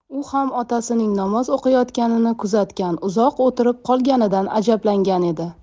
u ham otasining namoz o'qiyotganini kuzatgan uzoq o'tirib qolganidan ajablangan edi